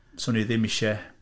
'Swn i ddim isie.